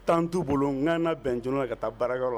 Tan t'u bolo ŋana bɛnj ka taa baarayɔrɔ